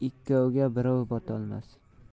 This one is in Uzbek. ikkovga birov botolmas